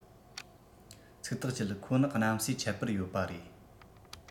ཚིག ཐག བཅད ཁོ ནི གནམ སའི ཁྱད པར ཡོད པ རེད